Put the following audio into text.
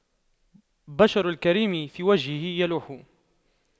بِشْرُ الكريم في وجهه يلوح